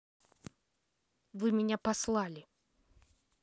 вы меня послали